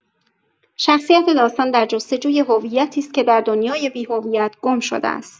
شخصیت داستان در جستجوی هویتی است که در دنیای بی‌هویت گم شده است.